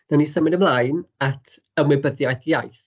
Wnawn ni symud ymlaen at ymwybyddiaeth iaith.